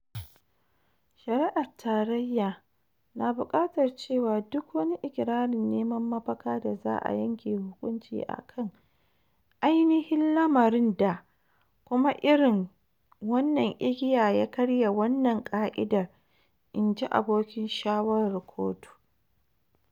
“Shari’ar Tarayya na bukatar cewa duk wani ikirarin neman mafaka da za a yanke hukunci a kan ainihin lamarin da, kuma irin wannan igiya ya karya wannan ka'idar, "in ji abokin shawarar kotu.